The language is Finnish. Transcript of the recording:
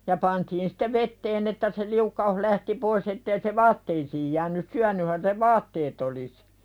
ja pantiin sitten veteen että se liukkaus lähti pois että ei se vaatteisiin jäänyt syönythän se vaatteet olisi